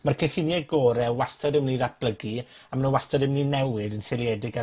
Ma'r cynllunie gore wastad yn myn' i ddatblygu, a ma' nw wastad yn myn' i newid yn seiliedig ar